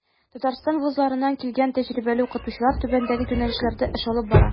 Татарстан вузларыннан килгән тәҗрибәле укытучылар түбәндәге юнәлешләрдә эш алып бара.